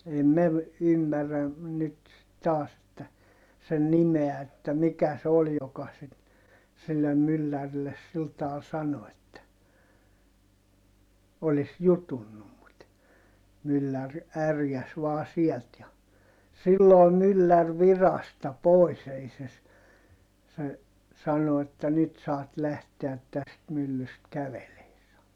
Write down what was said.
ei - ymmärrä nyt taas että sen nimeä että mikä se oli joka sitten sille myllärille sillä tavalla sanoi että olisi jutunnut mutta mylläri ärjäisi vain sieltä ja silloin mylläri virasta pois ei se - se sanoi että nyt saat lähteä tästä myllystä kävelemään sanoi